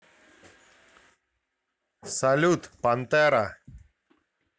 салют пантера